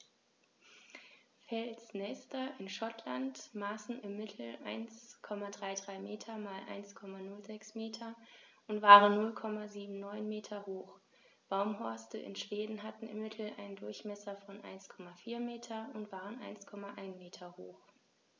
Felsnester in Schottland maßen im Mittel 1,33 m x 1,06 m und waren 0,79 m hoch, Baumhorste in Schweden hatten im Mittel einen Durchmesser von 1,4 m und waren 1,1 m hoch.